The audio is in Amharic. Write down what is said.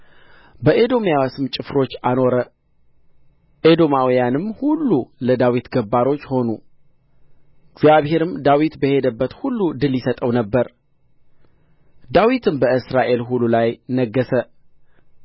በኤዶምያስም ጭፍሮች አኖረ ኤዶማውያንም ሁሉ ለዳዊት ገባሮች ሆኑ እግዚአብሔርም ዳዊት በሄደበት ሁሉ ድል ይሰጠው ነበር ዳዊትም በእስራኤል ሁሉ ላይ ነገሠ